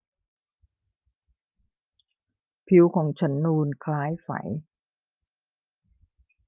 ผิวของฉันนูนคล้ายไฝ